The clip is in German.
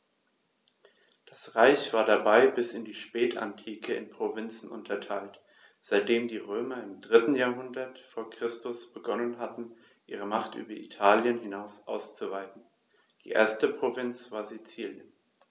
Das Reich war dabei bis in die Spätantike in Provinzen unterteilt, seitdem die Römer im 3. Jahrhundert vor Christus begonnen hatten, ihre Macht über Italien hinaus auszuweiten (die erste Provinz war Sizilien).